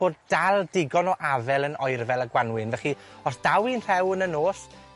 bod dal digon o afel yn oerfel y Gwanwyn. Felly, os daw 'i'n rhew yn y nos,